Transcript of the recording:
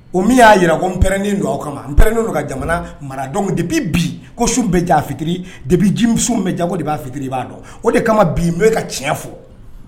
O min y'a jira ko n pɛrɛnnen don aw kama n pɛnen don ka jamana mara dɔn de bɛ bi ko sun bɛ ja fitiri debi ji sun bɛ ja de'a fitiri i b'a dɔn o de kama bi n bɛe ka tiɲɛ fɔ